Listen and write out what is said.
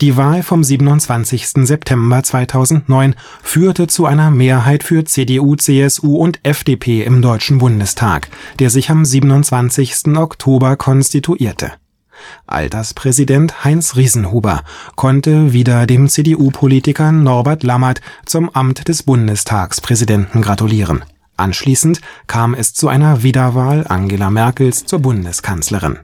Wahl vom 27. September 2009 führte zu einer Mehrheit für CDU/CSU und FDP im Deutschen Bundestag, der sich am 27. Oktober konstituierte. Alterspräsident Heinz Riesenhuber konnte wieder dem CDU-Politiker Norbert Lammert zum Amt des Bundestagspräsidenten gratulieren; anschließend kam es zu einer Wiederwahl Angela Merkels zur Bundeskanzlerin